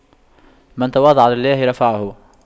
من تواضع لله رفعه